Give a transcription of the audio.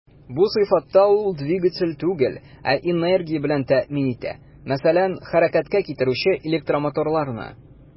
Бу сыйфатта ул двигатель түгел, ә энергия белән тәэмин итә, мәсәлән, хәрәкәткә китерүче электромоторларны.